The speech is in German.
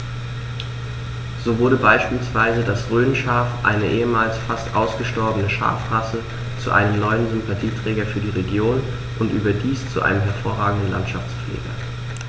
So wurde beispielsweise das Rhönschaf, eine ehemals fast ausgestorbene Schafrasse, zu einem neuen Sympathieträger für die Region – und überdies zu einem hervorragenden Landschaftspfleger.